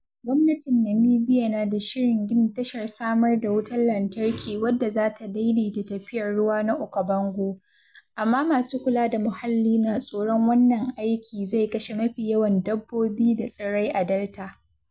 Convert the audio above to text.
Gwamnatin Namibia na da shirin gina tashar samar da wutar lantarki wadda za ta daidaita tafiyar ruwa na Okavango, amma masu kula da muhalli na tsoron wannan aiki zai kashe mafi yawan dabbobi da tsirrai a Delta.